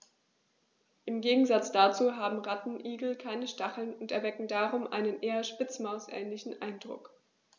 Im Gegensatz dazu haben Rattenigel keine Stacheln und erwecken darum einen eher Spitzmaus-ähnlichen Eindruck.